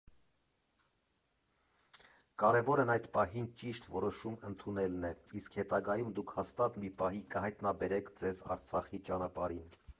Կարևորն այդ պահին ճիշտ որոշում ընդունելն է, իսկ հետագայում դուք հաստատ մի պահի կհայտնաբերեք ձեզ Արցախի ճանապարհին։